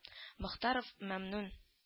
Мохтаров мәмнүн